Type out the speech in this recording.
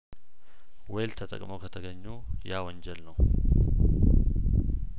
ዌል ተጠቅመው ከተገኙ ያወንጀል ነው